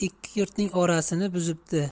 ikki yurtning orasini buzibdi